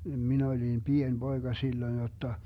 minä olin pieni poika silloin jotta se oli jo niin vanha jotta